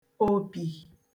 òpì